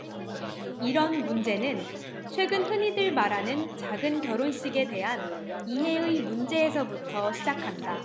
이런 문제는 최근 흔히들 말하는 작은 결혼식에 대한 이해의 문제에서부터 시작한다